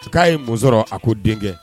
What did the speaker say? I k'a ye mɔn sɔrɔ a ko denkɛ